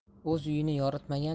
o'z uyini yoritmagan